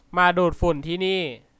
มาดูดฝุ่นที่นี่